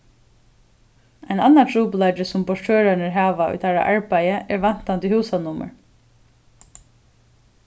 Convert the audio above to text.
ein annar trupulleiki sum portørar hava í teirra arbeiði er vantandi húsanummur